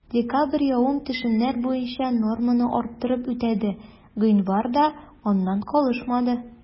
Декабрь явым-төшемнәр буенча норманы арттырып үтәде, гыйнвар да аннан калышмады.